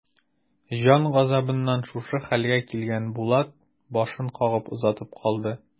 Җан газабыннан шушы хәлгә килгән Булат башын кагып озатып калды.